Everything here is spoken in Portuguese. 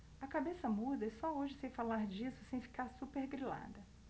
a cabeça muda e só hoje sei falar disso sem ficar supergrilada